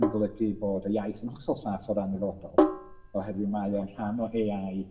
yn golygu bod y iaith yn hollol saff o ran y dyfodol oherwydd mae o'n rhan o AI